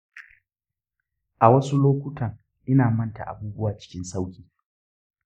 a wasu lokuttan ina manta abubuwa cikin sauƙi.